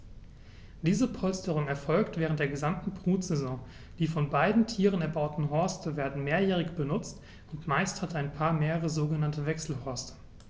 Diese Polsterung erfolgt während der gesamten Brutsaison. Die von beiden Tieren erbauten Horste werden mehrjährig benutzt, und meist hat ein Paar mehrere sogenannte Wechselhorste.